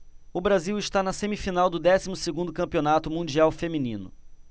o brasil está na semifinal do décimo segundo campeonato mundial feminino